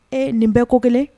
Ee nin bɛ ko kelen